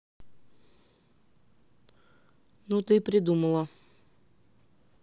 ну ты придумала